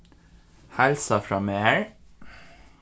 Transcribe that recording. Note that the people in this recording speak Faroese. heilsa frá mær